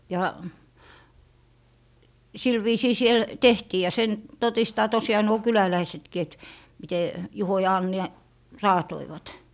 ja sillä viisiin siellä tehtiin ja sen todistaa tosiaan nuo kyläläisetkin että miten Juho ja Anni raatoivat